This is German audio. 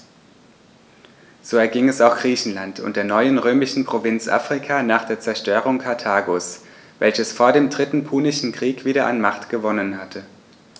So erging es auch Griechenland und der neuen römischen Provinz Afrika nach der Zerstörung Karthagos, welches vor dem Dritten Punischen Krieg wieder an Macht gewonnen hatte.